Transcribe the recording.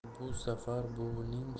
bu safar buvining